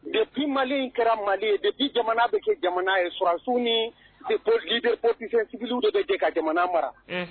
Mɛ bi mali kɛra mali de bi jamana bɛ kɛ jamana ye sus kikisɛ de bɛ ka jamana mara